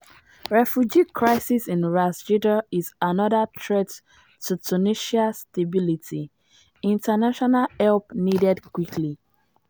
refugee crisis in ras jdir is another threat to tunisia's stability – international help needed quickly.